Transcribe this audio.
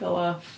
Gael laugh.